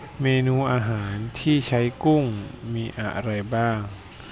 เมนูอาหารที่ใช้กุ้งมีอะไรบ้าง